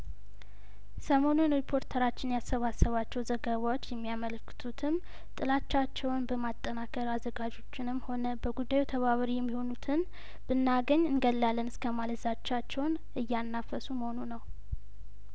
ሰሞኑን ሪፖርተራችን ያሰባሰባቸው ዘገባዎች የሚያመለክቱትም ጥላቻቸውን በማጠናከር አዘጋጆችንም ሆነ በጉዳዩ ተባበሪ የሚሆኑትን ብናገኝ እንገላለን እስከማለት ዛቻቸውን እያናፈሱ መሆኑን ነው